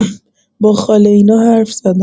با خاله اینا حرف زدم